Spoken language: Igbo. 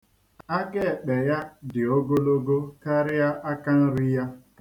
Akaekpe ya dị ogologo karịa akanri ya.